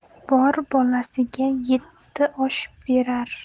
bor bolasiga yetti osh berar